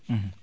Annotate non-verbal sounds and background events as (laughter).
(hesitation) (hesitation)